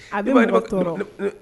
A bɛ mɔg tɔɔrɔ, i b'a ye ne